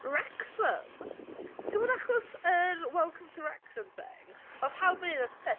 Wrexham. Timod achos yr Welcome to Wrexham thing.... mhm... Ma' pawb fan hyn yn obsessed.